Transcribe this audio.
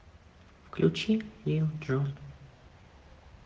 включи лил джон